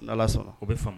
Ala sɔrɔ' bɛ faamu